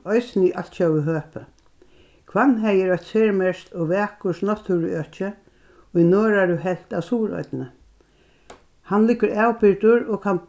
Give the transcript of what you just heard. eisini í altjóða høpi hvannhagi er eitt sermerkt og vakurt náttúruøki í norðaru helvt av suðuroynni hann liggur avbyrgdur og kann